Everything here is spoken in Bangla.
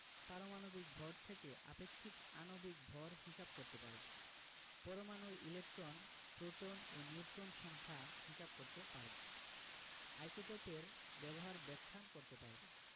পারমাণবিক ভর থেকে আপেক্ষিক আণবিক ভর হিসাব করতে পারব পরমাণুর ইলেকট্রন প্রোটন ও নিউট্রন সংখ্যা হিসাব করতে পারব আইসোটোপের ব্যবহার ব্যাখ্যা করতে পারব